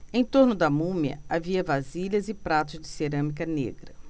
em torno da múmia havia vasilhas e pratos de cerâmica negra